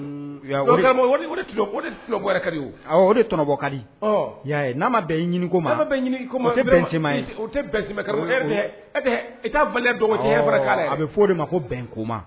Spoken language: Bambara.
O tɔnɔbɔkaria'a ma bɛn ɲinikoma tɛma ye o tɛ i dɔgɔ a bɛ' o de ma ko bɛnkoma